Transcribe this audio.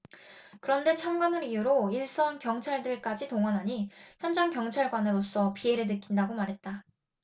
그런데 참관을 이유로 일선 경찰들까지 동원하니 현장 경찰관으로서 비애를 느낀다고 말했다